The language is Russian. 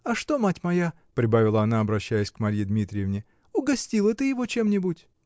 А что, мать моя, -- прибавила она, обращаясь к Марье Дмитриевне, -- угостила ты его чем-нибудь?